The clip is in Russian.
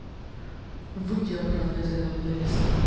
выйди обратно из этого плейлиста